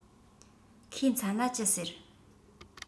ཁོའི མཚན ལ ཅི ཟེར